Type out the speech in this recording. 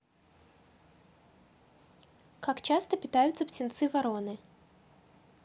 как часто питаются птенцы вороны